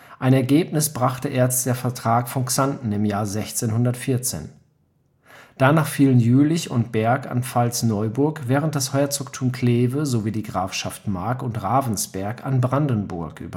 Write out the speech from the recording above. Ein Ergebnis brachte erst der Vertrag von Xanten im Jahr 1614. Danach fielen Jülich und Berg an Pfalz-Neuburg, während das Herzogtum Kleve sowie die Grafschaften Mark und Ravensberg an Brandenburg